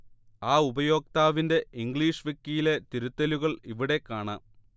ആ ഉപയോക്താവിന്റെ ഇംഗ്ലീഷ് വിക്കിയിലെ തിരുത്തലുകൾ ഇവിടെ കാണാം